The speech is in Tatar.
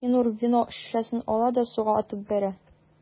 Шаһинур вино шешәсен ала да суга атып бәрә.